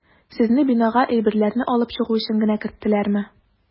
Сезне бинага әйберләрне алып чыгу өчен генә керттеләрме?